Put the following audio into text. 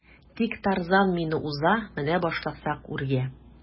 Тик Тарзан мине уза менә башласак үргә.